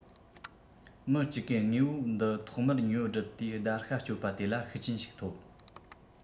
མི གཅིག གིས དངོས པོ འདི ཐོག མར ཉོ སྒྲུབ དུས བརྡར ཤ གཅོད པ དེ ལ ཤུགས རྐྱེན ཞིག ཐོབ